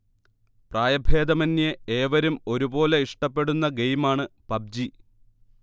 പ്രായഭേദമന്യേ ഏവരും ഒരുപോലെ ഇഷ്ടപെടുന്ന ഗെയിമാണ് പബ്ജി